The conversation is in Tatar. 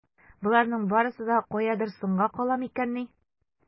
Боларның барсы да каядыр соңга кала микәнни?